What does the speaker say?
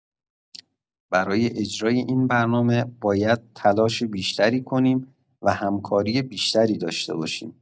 برای اجرای این برنامه، باید تلاش بیشتری کنیم و همکاری بیشتری داشته باشیم.